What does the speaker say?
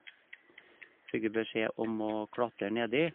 Fikk vi beskjed om å klatre nedi.